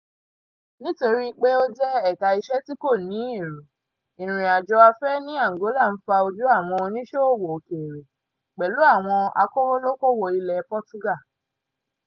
Nítorí pé ó jẹ́ ẹ̀ka-iṣẹ́ tí kò ní èrò, ìrìn-àjò afẹ́ ní Angola ń fa ojú àwọn oníṣòwò òkèèrè, pẹ̀lú àwọn akówólókòwò ilẹ̀ Portugal.